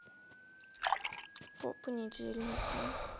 по понедельникам